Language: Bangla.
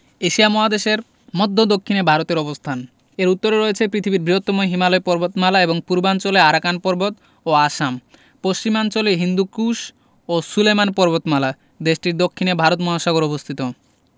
এশিয়া মহাদেশের মদ্ধ্য দক্ষিনে ভারতের অবস্থানএর উত্তরে রয়েছে পৃথিবীর বৃহত্তম হিমালয় পর্বতমালা পূর্বাঞ্চলে আরাকান পর্বত ও আসাম পশ্চিমাঞ্চলে হিন্দুকুশ ও সুলেমান পর্বতমালা দেশটির দক্ষিণে ভারত মহাসাগর অবস্থিত